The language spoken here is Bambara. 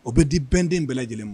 O bɛ di bɛnden bɛɛ lajɛlen ma